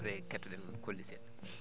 après ketto?en kolli see?a